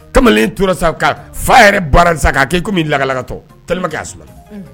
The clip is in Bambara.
Kamalen tora sa fa yɛrɛ baarai' lakalakatɔ a su